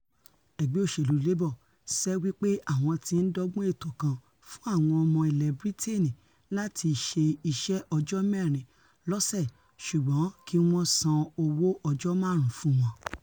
Ẹgbẹ́ òṣèlú Labour ṣẹ wí pé́ àwọn ti ńdọ́gbọ́n ètò kan fun àwọn ọmọ ilẹ̀ Britain láti ṣe iṣẹ́ ọjọ́ mẹ́rin lọ́sẹ̵̀ ṣùgbọn kí wọ́n san owó ọjọ́ máàrún fún wọn